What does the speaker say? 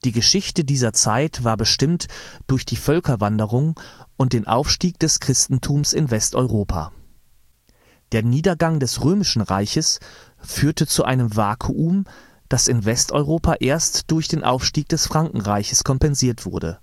Geschichte dieser Zeit war bestimmt durch die Völkerwanderung und den Aufstieg des Christentums in Westeuropa. Der Niedergang des römischen Reiches führte zu einem Vakuum, das in Westeuropa erst durch den Aufstieg des Frankenreiches kompensiert wurde